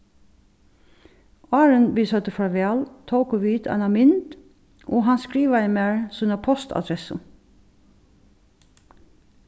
áðrenn vit søgdu farvæl tóku vit eina mynd og hann skrivaði mær sína postadressu